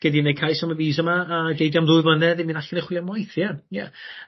gei di neud cais am y visa yma a gei di o am ddwy flynedd i mynd allan y chwilio am waith ie. Ie.